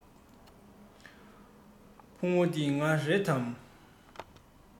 ཕུང བོ འདི ང རེད དམ